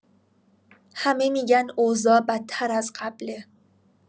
همه می‌گن اوضاع بدتر از قبله.